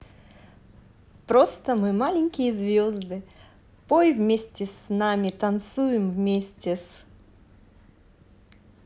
просто просто мы маленькие звезды пой вместе с нами танцуем вместе с